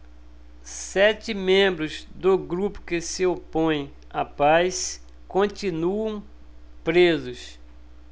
sete membros do grupo que se opõe à paz continuam presos